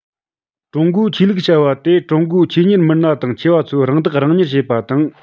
ཀྲུང གོའི ཆོས ལུགས བྱ བ དེ ཀྲུང གོའི ཆོས གཉེར མི སྣ དང ཆོས པ ཚོས རང བདག རང གཉེར བྱེད པ དང